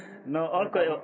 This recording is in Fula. non on ko